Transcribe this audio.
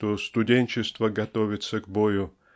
что "студенчество готовится к бою".